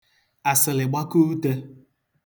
àsị̀lị̀gbakautē